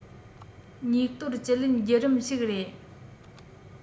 སྙིགས དོར བཅུད ལེན བརྒྱུད རིམ ཞིག རེད